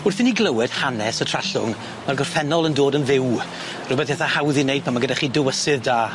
Wrth i ni glywed hanes y Trallwng ma'r gorffennol yn dod yn fyw rwbeth itha hawdd i neud pan ma' gyda chi dywysydd da.